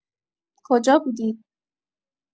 کجا بودی؟